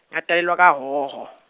ngatalelwa kaHhohho.